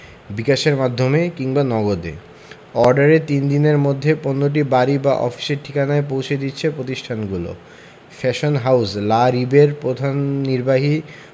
বিকাশের মাধ্যমে কিংবা নগদে অর্ডারের তিন দিনের মধ্যে পণ্যটি বাড়ি বা অফিসের ঠিকানায় পৌঁছে দিচ্ছে প্রতিষ্ঠানগুলো ফ্যাশন হাউস লা রিবের প্রধান নির্বাহী